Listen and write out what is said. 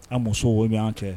An musow o ɲ' cɛ